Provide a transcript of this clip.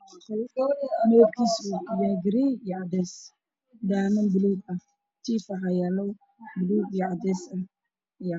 Waa qol jiif ah waxaa yaala sariir riga waxaa saaran maro oo buluug aada ah iyo